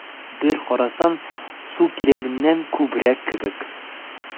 Бер карасаң, су кирәгеннән күбрәк кебек: